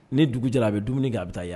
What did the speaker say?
Ni dugu jɛra a bɛ dumuni kɛ a bɛ taa yan